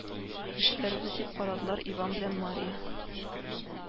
Эшләрбез, дип карадылар иван белән мария